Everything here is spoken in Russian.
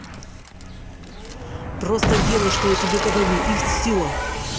просто делай что я тебе говорю и все